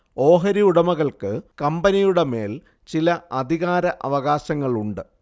ഓഹരി ഉടമകൾക്ക് കമ്പനിയുടെ മേൽ ചില അധികാര അവകാശങ്ങളുണ്ട്